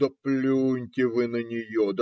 Да плюньте вы на нее!